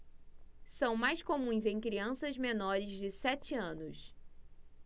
são mais comuns em crianças menores de sete anos